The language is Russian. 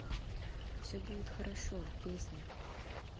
все будет хорошо песня